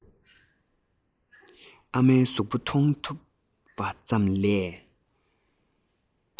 ཨ མའི གཟུགས པོ མཐོང ཐུབ པ ཙམ ལས